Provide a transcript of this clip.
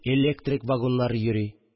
Электрик вагоннары йөри